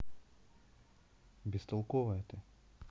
бестолковая ты